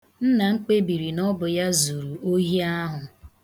Nna m kpebiri na ọ bụ ya zuru ohi ahụ.